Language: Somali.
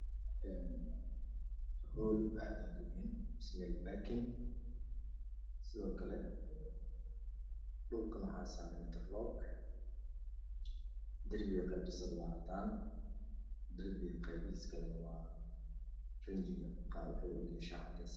Hool aad uween ama meel baakin ah sidookle dhulkana waxaa saran intarloog darpigana waa cadaan darpiga qeebihiisa klane waa rainji ganawa cadees